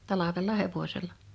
talvella hevosella